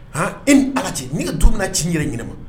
Hɔn e ni ala tɛ n ka to bɛna ci yɛrɛ ɲɛna